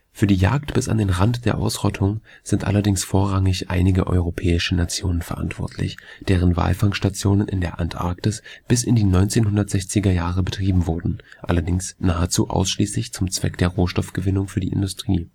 Für die Jagd bis an den Rand der Ausrottung sind allerdings vorrangig einige europäische Nationen verantwortlich, deren Walfangstationen in der Antarktis bis in die 1960er-Jahre betrieben wurden, allerdings nahezu ausschließlich zum Zweck der Rohstoffgewinnung für die Industrie